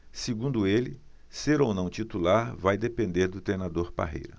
segundo ele ser ou não titular vai depender do treinador parreira